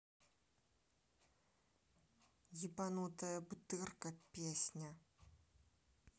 ебанутая бутырка песня